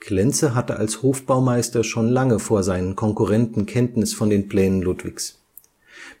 Klenze hatte als Hofbaumeister schon lange vor seinen Konkurrenten Kenntnis von den Plänen Ludwigs.